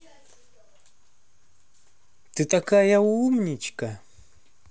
ты такая умничка